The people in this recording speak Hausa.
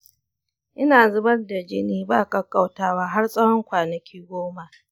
ina zubar da jini ba ƙaƙƙautawa har tsawon kwanaki goma.